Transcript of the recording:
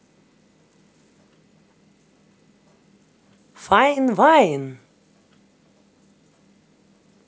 fine whine